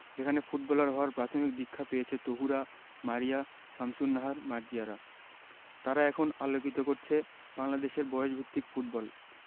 যেখানে ফুটবলার হওয়ার প্রাথমিক দীক্ষা পেয়েছে তহুরা মারিয়া শামসুন্নাহার মার্জিয়ারা তারা এখন আলোকিত করছে বাংলাদেশের বয়সভিত্তিক ফুটবল